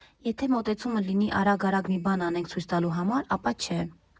Եթե մոտեցումը լինի՝ արագ֊արագ մի բան անենք, ցույց տալու համար, ապա՝ չէ։